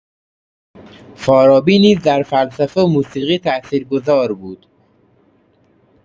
فارابی نیز در فلسفه و موسیقی تأثیرگذار بود.